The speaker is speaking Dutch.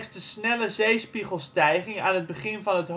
de snelle zeespiegelstijging aan het begin van